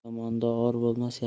yomonda or bo'lmas